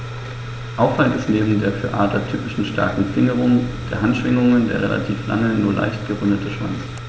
Auffallend ist neben der für Adler typischen starken Fingerung der Handschwingen der relativ lange, nur leicht gerundete Schwanz.